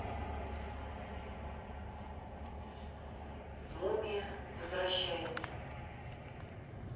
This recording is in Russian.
мумия возвращается